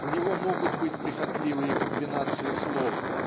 У него могут быть прихотливые комбинации слов